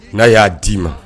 N'a y'a d'i ma?